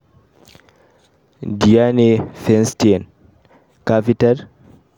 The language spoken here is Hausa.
Dianne Feinstein, ka fitar?